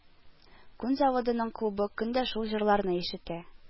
Күн заводының клубы көн дә шул җырларны ишетә